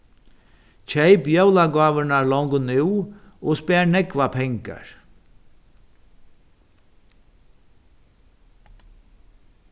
keyp jólagávurnar longu nú og spar nógvar pengar